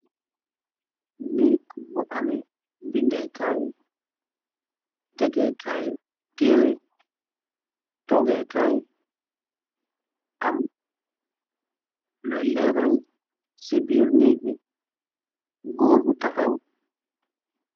Nekk bu ame bindekaay tegekaay teere toggekaay am loy leeral ci biir nekk bi góor bu taxaw.